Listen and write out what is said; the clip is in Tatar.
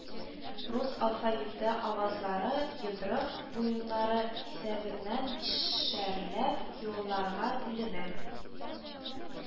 Рус алфавиты авазлары йодрык буеннары исәбеннән бишәр ләп юлларга бүленә